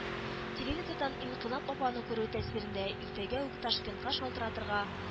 Телевизордан Инкыйлаб апаны күрү тәэсирендә иртәгә үк Ташкентка шылтыратырга